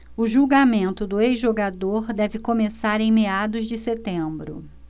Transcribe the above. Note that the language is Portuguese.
o julgamento do ex-jogador deve começar em meados de setembro